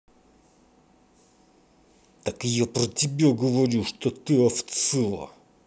так я про тебя говорю что ты овца